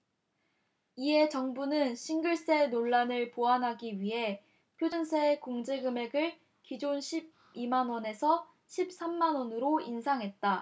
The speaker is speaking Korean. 이에 정부는 싱글세 논란을 보완하기 위해 표준세액 공제금액을 기존 십 이 만원에서 십 삼 만원으로 인상했다